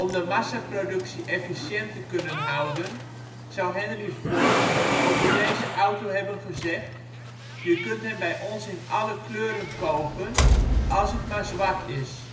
de massaproductie efficiënt te kunnen houden zou Henry Ford over deze auto hebben gezegd: " Je kunt hem bij ons in alle kleuren kopen, als het maar zwart is